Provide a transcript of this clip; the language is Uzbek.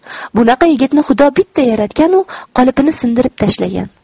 bunaqa yigitni xudo bitta yaratganu qolipini sindirib tashlagan